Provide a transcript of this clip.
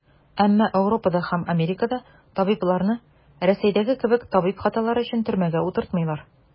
Әмма Ауропада һәм Америкада табибларны, Рәсәйдәге кебек, табиб хаталары өчен төрмәгә утыртмыйлар.